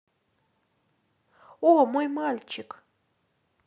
о мой мальчик